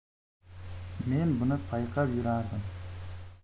men buni payqab yurardim